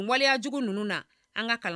N waleya jugu ninnu na an ka kalan